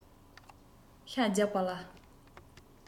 ཤ རྒྱགས པ ལ